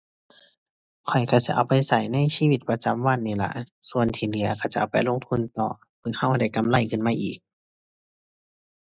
ข้อยก็สิเอาไปก็ในชีวิตประจำวันนี่ล่ะ ส่วนที่เหลือข้อยจะเอาไปลงทุนต่อ เผื่อก็ได้กำไรขึ้นมาอีก